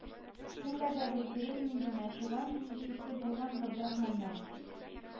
Кемгә дә белдерми генә, туган тиешлесе булган габдрахманнан